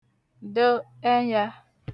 də̣̀ ẹyā